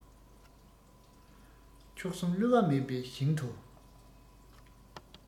མཆོག གསུམ བསླུ བ མེད པའི ཞིང དུ